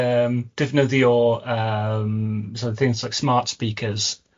yym defnyddio yym sor' of things like smart speakers